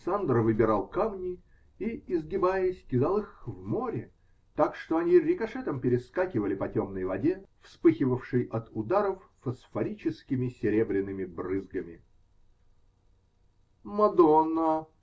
Сандро выбирал камни и, изгибаясь, кидал их в море, так что они рикошетом перескакивали по темной воде, вспыхивавшей от ударов фосфорическими серебряными брызгами. -- Мадонна!